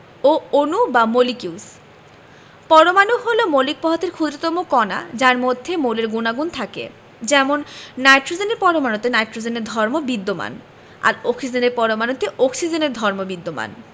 ও অণু বা মলিকিউলস পরমাণু হলো মৌলিক পদার্থের ক্ষুদ্রতম কণা যার মধ্যে মৌলের গুণাগুণ থাকে যেমন নাইট্রোজেনের পরমাণুতে নাইট্রোজেনের ধর্ম বিদ্যমান আর অক্সিজেনের পরমাণুতে অক্সিজেনের ধর্ম বিদ্যমান